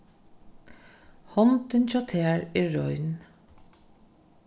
hondin hjá tær er rein